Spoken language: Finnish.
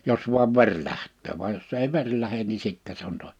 jos vain veri lähtee vaan jos ei veri lähde niin sitten se on toinen